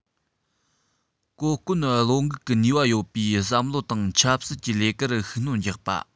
གོ བསྐོན བློ འགུག གི ནུས པ ཡོད པའི བསམ བློ དང ཆབ སྲིད ཀྱི ལས ཀར ཤུགས སྣོན རྒྱག པ